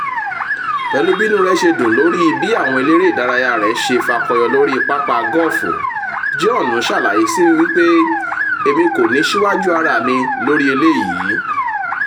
Pẹ̀lú bí inú rẹ̀ ṣe dùn lórí i bí àwọn elére ìdárayá rẹ̀ ṣe fakọyọ sí lórí pápá gọ́ọ̀fù, Bjorn ṣàláyè sí wípé: "Èmi kò ní síwájú ara mi lórí eléyìí.